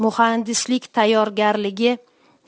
muhandislik tayyorgarligi